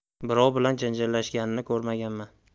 birov bilan janjallashganini ko'rmaganman